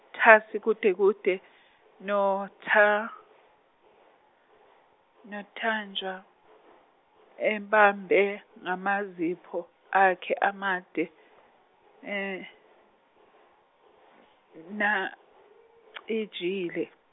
thasi kudekude noTha- noThanjwa embambe ngamazipho akhe amade, n- nacijile.